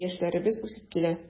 Яшьләребез үсеп килә.